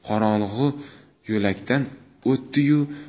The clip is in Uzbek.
qorong'i yo'lakdan o'tdi yu